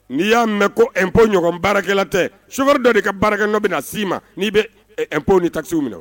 N'i y'a mɛn kopɲɔgɔn baarakɛla tɛ so dɔ de ka baarakɛ bɛ na sii ma n'i bɛpo ni ta se minɛ